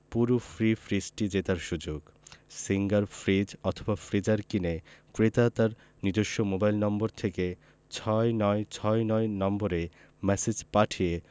পুরো ফ্রি ফ্রিজটি জেতার সুযোগ সিঙ্গার ফ্রিজ অথবা ফ্রিজার কিনে ক্রেতা তার নিজস্ব মোবাইল নম্বর থেকে ৬৯৬৯ নম্বরে ম্যাসেজ পাঠিয়ে